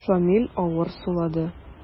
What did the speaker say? Шамил авыр сулады.